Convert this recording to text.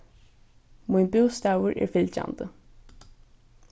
mín bústaður er fylgjandi